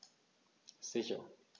Sicher.